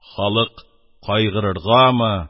Халык кайгырыргамы